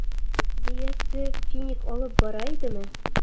Дөясе финик алып бара идеме?